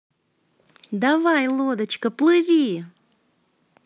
давай лодочка плыви